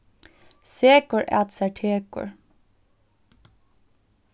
sekur at sær tekur